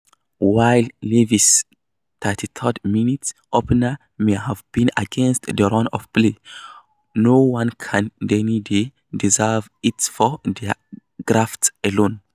While Livi's 34th-minute opener may have been against the run of play, no one can deny they deserved it for their graft alone.